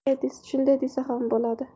shunday desa ham bo'ladi